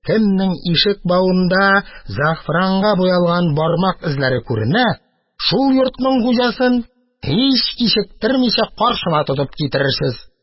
Кемнең ишек бавында зәгъфранга буялган бармак эзләре күренә, шул йортның хуҗасын, һич кичектермичә, каршыма тотып китерерсез.